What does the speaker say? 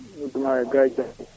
mbiɗo nodduma *